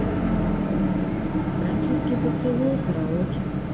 французский поцелуй караоке